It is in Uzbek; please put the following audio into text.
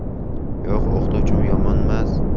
yo'q o'qituvchim yomonmas